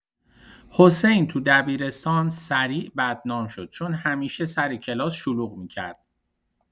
حسین تو دبیرستان سریع بدنام شد چون همیشه سر کلاس شلوغ می‌کرد.